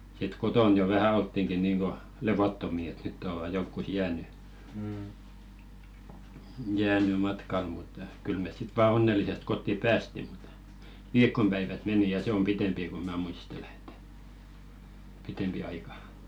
sitten kotona jo vähän oltiinkin niin kuin levottomia että nyt ovat johonkin jäänyt jäänyt matkalle mutta kyllä me sitten vain onnellisesti kotiin päästiin mutta viikon päivät meni ja se on pitempi kun minä muistelen että pitempi aika